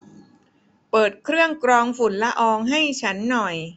เปิดเครื่องกรองฝุ่นละอองให้ฉันหน่อย